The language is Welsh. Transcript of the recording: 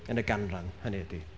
Yn y ganran, hynny ydi.